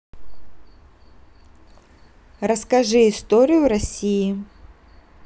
расскажи историю россии